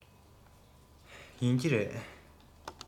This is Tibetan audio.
ཡིན གྱི རེད